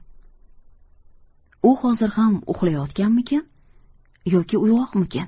u hozir ham uxlayotganmikin yoki uyg'oqmikin